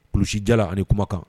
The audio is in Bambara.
P kulusija ani kumakan